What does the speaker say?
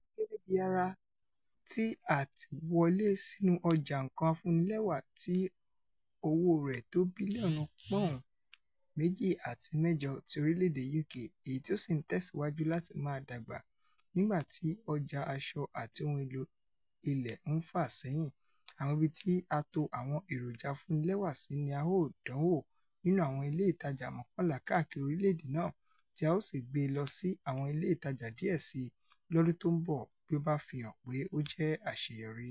Gẹ́gẹ́ bí ara ti àtiwọlé sínú ọjà nǹkan afúnnilẹ́wà tí owó rẹ̀ tó bílíọ́ọ̀nù pọ́ùn 2.8 ti orílẹ̀-èdè UK, èyití ó sì ń tẹ̀síwájù láti máa dàgbà nígbà ti ọjà aṣọ àti ohun èlò ilé ń fà sẹ́yìn, àwọn ibití a tò àwọn èrójà afúnnilẹ́wà sí ni a ó dánwò nínú àwọn ilé ìtajà mọ́kànlá káákìri orílẹ̀-èdè náà tí a ó sì gbé e lọsí́ àwọn ilé ìtajà díẹ̀ síi lọ́dun tó ḿbọ̀ bí ó bá fihàn pé o jẹ́ àṣeyọrí.